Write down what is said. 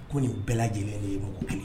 Ko nin bɛɛ lajɛlen n''i bɔ ko kelen